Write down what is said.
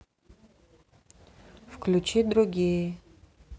включи другие